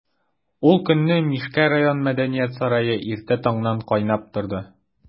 Ул көнне Мишкә район мәдәният сарае иртә таңнан кайнап торды.